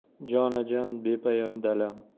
jonajon bepoyon dalam